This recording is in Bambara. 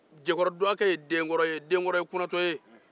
jɛkɔrɔ dɔgɔkɛ ye denkɔrɔ ye ale ye kunatɔ ye